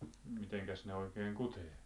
mitenkäs ne oikein kutee